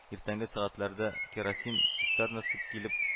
Иртәнге сәгатьләрдә керосин цистернасы килеп